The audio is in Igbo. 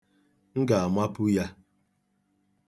M ga-amapu ya.